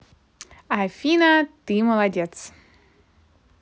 афина ты молодец